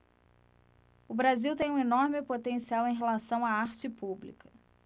o brasil tem um enorme potencial em relação à arte pública